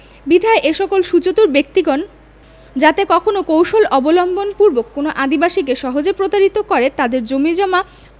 বিধায় এসকল সুচতুর ব্যক্তিগণ যাতে কখনো কৌশল অবলম্বনপূর্বক কোনও আদিবাসীকে সহজে প্রতারিত করে তাদের জমিজমা